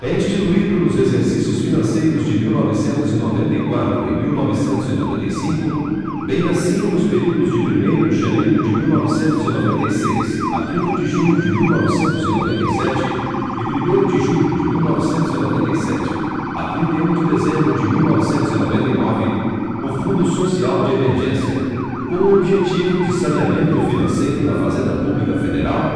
é instituído nos exercícios financeiros de mil novecentos e noventa e quatro e mil novecentos e noventa e cinco bem assim nos períodos de primeiro de janeiro de mil novecentos e noventa e seis a trinta de junho de mil novecentos e noventa e sete e primeiro de julho de mil novecentos e noventa e sete a trinta e um de dezembro de mil novecentos e noventa e nove o fundo social de emergência com o objetivo de saneamento financeiro da fazenda pública federal